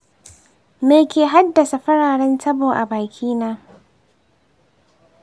me ke haddasa fararen tabo a bakina?